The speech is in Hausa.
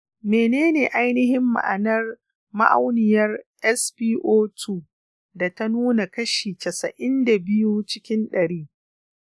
mene ne ainihin ma'anar ma'auniyar spo2 da ta nuna kashi casain da biyu cikin ɗari